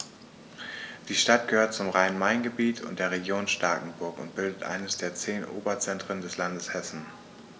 Die Stadt gehört zum Rhein-Main-Gebiet und der Region Starkenburg und bildet eines der zehn Oberzentren des Landes Hessen.